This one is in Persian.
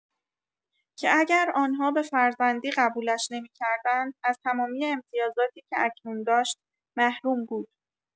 که اگر آن‌ها به فرزندی قبولش نمی‌کردند از تمامی امتیازاتی که اکنون داشت محروم بود.